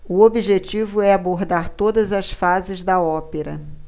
o objetivo é abordar todas as fases da ópera